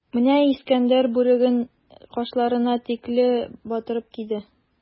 Менә Искәндәр бүреген кашларына тикле батырып киде.